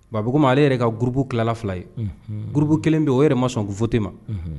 Baba ko ma ale yɛrɛ ka gurubu tilala fila ye gurubu kelen bɛ o yɛrɛ ma sɔn gfte ma